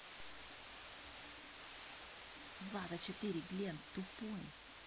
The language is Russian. влада а четыре глент тупой